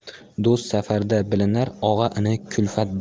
do'st safarda bilinar og'a ini kulfatda